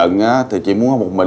đấy nhá chứ nếu không